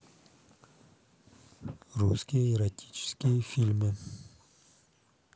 русские эротические фильмы